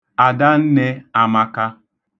Adanne amaka.